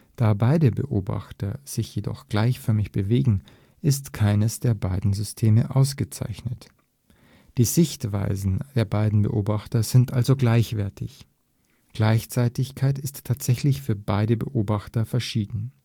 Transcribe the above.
Da beide Beobachter sich jedoch gleichförmig bewegen, ist keines der beiden Systeme ausgezeichnet: Die Sichtweisen der beiden Beobachter sind also gleichwertig. Gleichzeitigkeit ist tatsächlich für beide Beobachter verschieden